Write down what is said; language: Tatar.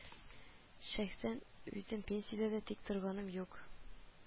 Шәхсән үзем пенсиядә дә тик торганым юк